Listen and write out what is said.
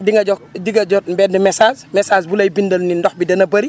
di nga jot di nga jot benn message message bu lay bindal ni ndox bi dana bëri